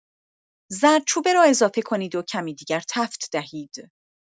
زردچوبه را اضافه کنید و کمی دیگر تفت دهید.